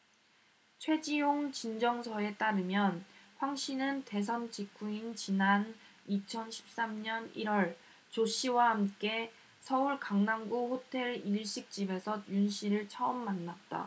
최지용진정서에 따르면 황씨는 대선 직후인 지난 이천 십 삼 년 일 월 조씨와 함께 서울 강남구 호텔 일식집에서 윤씨를 처음 만났다